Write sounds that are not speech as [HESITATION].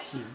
[HESITATION] [HESITATION]